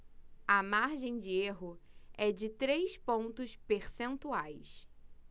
a margem de erro é de três pontos percentuais